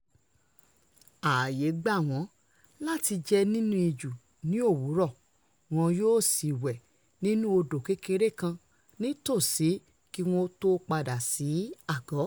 Ààyé gbà wọ́n láti jẹ̀ nínú ijù ní òwúrò, wọn yóò sì wẹ̀ nínú odò kékeré kan nítòsí kí wọn ó tó padà sí àgọ́.